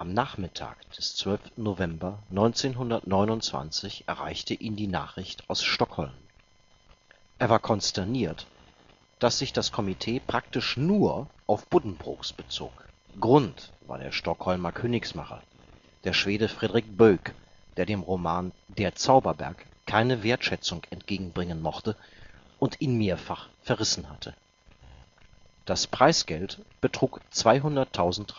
Nachmittag des 12. November 1929 erreichte ihn die Nachricht aus Stockholm. Er war konsterniert, dass sich das Komitee praktisch nur auf Buddenbrooks bezog. Grund war der Stockholmer Königsmacher, der Schwede Fredrik Böök, der dem Roman Der Zauberberg keine Wertschätzung entgegenbringen mochte und ihn mehrfach verrissen hatte. Das Preisgeld betrug 200.000 Reichsmark